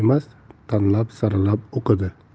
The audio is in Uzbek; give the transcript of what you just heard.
emas tanlab saralab o'qidi